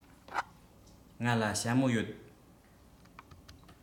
ང ལ ཞྭ མོ ཡོད